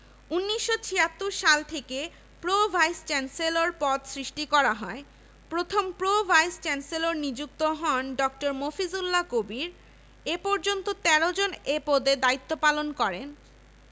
১৯৭৬ সাল থেকে pro vice chancellor পদ সৃষ্টি করা হয় প্রথম প্রো ভাইস চ্যান্সেলর নিযুক্ত হন ড. মফিজুল্লাহ কবির এ পর্যন্ত ১৩ জন এ পদে দায়িত্বপালন করেন